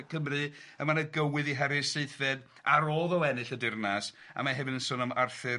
...y Cymru, a mae yna gywydd i Harri'r seithfed ar ôl iddo ennill y dyrnas, a mae hefyd yn sôn am Arthur